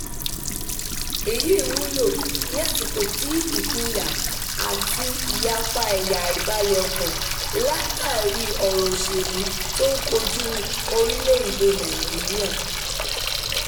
Èyí wúlò ní àsìkò tí ìpínyà àti ìyapa ẹ̀yà, àìbalẹ̀-ọkàn látàrí ọ̀rọ̀ òṣèlú tó ń kojúu orílẹ̀-èdèe Nàìjíríà.